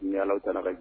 Ni Alahu taala ka j